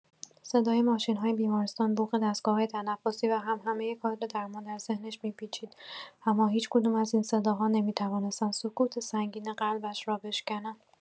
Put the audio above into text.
صدای ماشین‌های بیمارستان، بوق دستگاه‌های تنفسی و همهمه کادر درمان در ذهنش می‌پیچید، اما هیچ‌کدام از این صداها نمی‌توانستند سکوت سنگین قلبش را بشکنند.